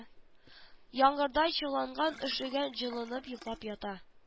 Яңгырда чыланган өшегән җылынып йоклап ята